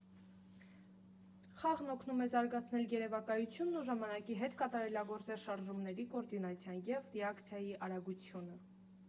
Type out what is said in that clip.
Խաղն օգնում է զարգացնել երևակայությունն ու ժամանակի հետ կատարելագործել շարժումների կոորդինացիան և ռեակցիայի արագությունը։